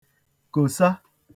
kòsa